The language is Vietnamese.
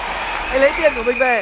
lấy tiền của mình về